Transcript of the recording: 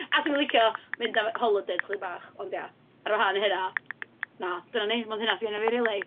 A 'swn i'n licio mynd ar holidays chydig bach. Ond, ia, ar wahân i hynna, na, dyna ni. Mond hynna sy gynna fi, rili.